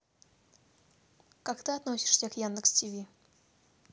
как ты относишься к яндекс тв